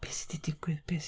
Be' sy' 'di digwydd? Beth...